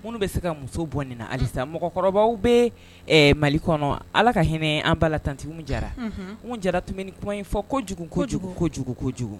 Minnu bɛ se ka muso bɔ nin na halisa mɔgɔkɔrɔba bɛ mali kɔnɔ ala ka hinɛ an b' la tantigiw jara n jara tun bɛ kuma in fɔ ko kojugu ko kojugu ko kojugu ko kojugu